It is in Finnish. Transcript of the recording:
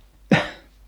.